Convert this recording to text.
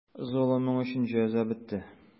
Золымың өчен җәза бетте.